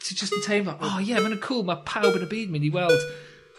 ti jyst yn teimlo o ie ma' 'wn yn cŵl ma' pawb yn y byd myn' i weld